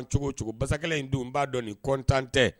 Cogo o cogo basakɛlɛ in don, n b'a dɔn nin content tɛ.